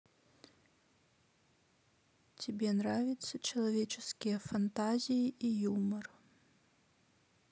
тебе нравится человеческие фантазии и юмор